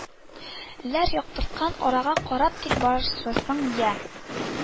Лар яктырткан арага карап тик барасың, йә